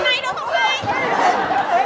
anh